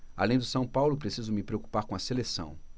além do são paulo preciso me preocupar com a seleção